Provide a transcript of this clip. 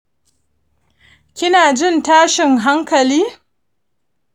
kina jin tashin hankali